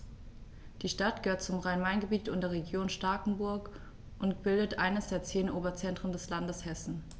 Die Stadt gehört zum Rhein-Main-Gebiet und der Region Starkenburg und bildet eines der zehn Oberzentren des Landes Hessen.